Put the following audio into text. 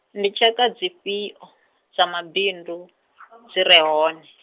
ndi tshka dzi fhio, dza mabundu, dzire hone?